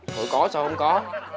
ủa có sao không có